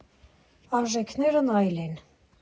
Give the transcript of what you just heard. Արժեքներն այլ են։